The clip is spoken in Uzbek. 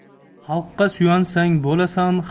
xalqqa suyansang bo'lasan